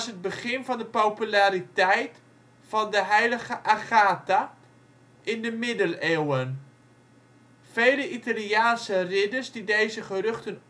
begin van de populariteit van de heilige Agatha in de Middeleeuwen. Vele Italiaanse ridders die deze geruchten